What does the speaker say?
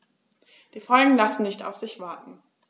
Die Folgen lassen nicht auf sich warten.